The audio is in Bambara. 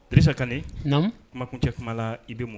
Kisa ka kuma tun tɛ kuma la i bɛ mun